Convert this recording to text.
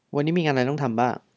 วันนี้มีงานอะไรต้องทำบ้าง